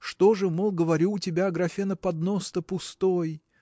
Что же, мол, говорю, у тебя, Аграфена, поднос-то пустой?